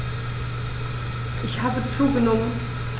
Ich habe zugenommen.